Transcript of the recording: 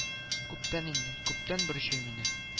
Күптән инде, күптән борчый мине